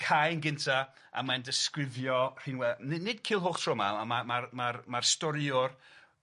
Cai yn gynta a mae'n disgrifio rhinwe- ni- nid Culhwch tro 'ma on' ma' ma'r ma'r ma'r storiwr